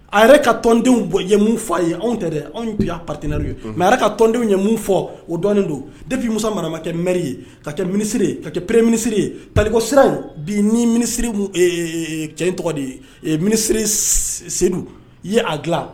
A yɛrɛ ka tɔndenw bɔ ye mun fɔ a ye anw tɛ dɛ anw bi pateinaw ye mɛ yɛrɛ ka tɔndenw ye mun fɔ o dɔn don depi mu maramakɛ mri ye ka kɛ minisiri ka kɛ pere minisirire ye tarikɔsira bi ni minisiriri cɛ tɔgɔ de ye minisiriri seyidu ye a dilan